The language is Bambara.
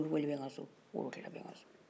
o y'i ni jatigi cɛ bara tagali ye